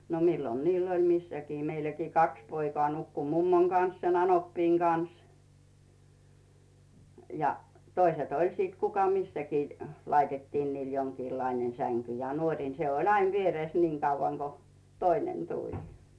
no milloin niillä oli missäkin meilläkin kaksi poikaa nukkui mummon kanssa sen anoppini kanssa ja toiset oli sitten kuka missäkin laitettiin niille jonkinlainen sänky ja nuorin se oli aina vieressä niin kauan kuin toinen tuli